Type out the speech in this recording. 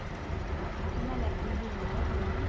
sumalak yedingmi o'g'lim